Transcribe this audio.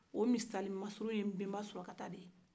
o misali masurun ye mbɛnba surakata de ye